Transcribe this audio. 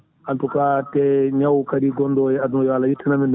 en tout te ñaw kadi gonɗo e aduna yo Allah ittana men ɗum